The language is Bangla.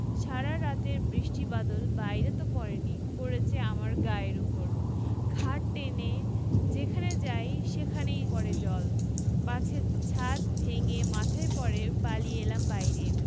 সারা রাতের বৃষ্টি বাদল বাইরে ত পড়েনি পড়েচে আমার গায়ের উপর খাট টেনে যেখানে নিয়ে যাই সেখানেই পড়ে জল পাছে ছাত ভেঙ্গে মাথায় পড়ে পালিয়ে এলাম বাইরে